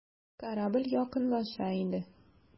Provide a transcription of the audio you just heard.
Корабль якынлаша иде.